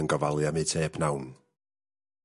...yn gofalu am eu te pnawn.